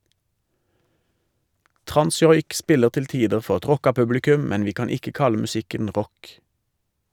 Transjoik spiller til tider for et rocka publikum, men vi kan ikke kalle musikken rock.